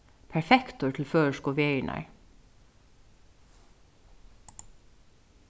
perfektur til føroysku vegirnar